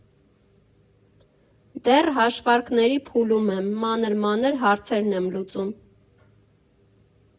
Դեռ հաշվարկների փուլում եմ, մանր֊մունր հարցերն եմ լուծում։